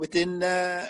wedyn yy